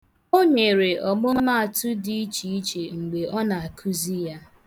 O nyere ọmụmaatụ dị iche iche mgbe ọ na-akụzi ya.